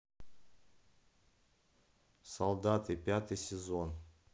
солдаты пятый сезон